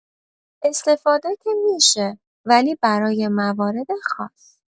استفاده که می‌شه ولی برای موارد خاص